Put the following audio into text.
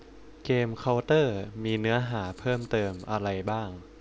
เกมเค้าเตอร์มีเนื้อหาเพิ่มเติมอะไรบ้าง